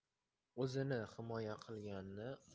o'zini himoya qilganni